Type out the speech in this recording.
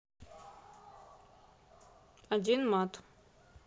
один мат